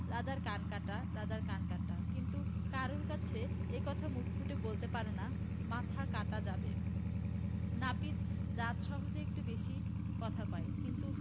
রাজার কান কাটা রাজার কান কাটা কিন্তু কারুর কাছে এ কথা মুখ ফুটে বলতে পারে না মাথা কাটা যাবে নাপিত জাত সহজে একটু বেশী কথা কয় কিন্তু